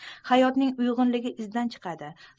hayotning uyg'unligi izdan chiqadi